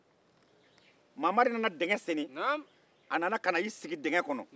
mamari nana dingɛ sen k'i sigi o kɔnɔ